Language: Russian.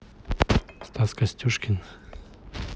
стас костюшкин